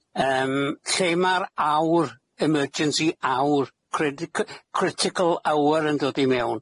Yym, lle ma'r awr, emergency awr, cri- c- critical hour yn dod i mewn?